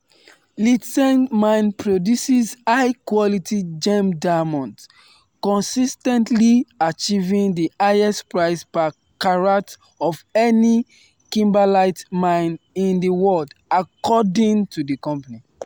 Letšeng mine produces high-quality gem diamonds, consistently achieving the highest price per carat of any kimberlite mine in the world, according to the company.